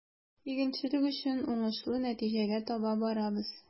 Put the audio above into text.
Игенчелек өчен уңышлы нәтиҗәгә таба барабыз.